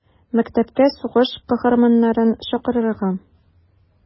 Мәктәпкә сугыш каһарманнарын чакырырга.